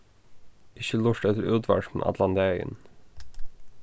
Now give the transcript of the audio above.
ikki lurta eftir útvarpinum allan dagin